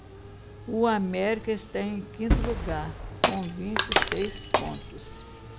o américa está em quinto lugar com vinte e seis pontos